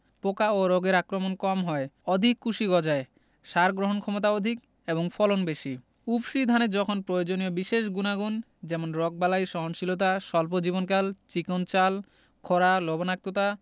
পোকা ও রোগের আক্রমণ কম হয় অধিক কুশি গজায় সার গ্রহণক্ষমতা অধিক এবং ফলন বেশি উফশী ধানে যখন প্রয়োজনীয় বিশেষ গুনাগুণ যেমন রগবালাই সহনশীলতা স্বল্প জীবনকাল চিকন চাল খরা লবনাক্ততা